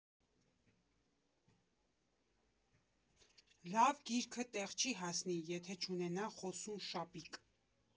Լավ գիրքը տեղ չի հասնի, եթե չունենա խոսուն շապիկ։